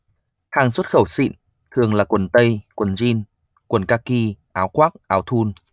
hàng xuất khẩu xịn thường là quần tây quần jean quần kaki áo khoác áo thun